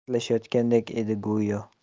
dardlashayotgandek edi go'yo